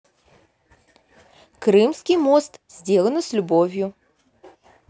крымский мост сделано с любовью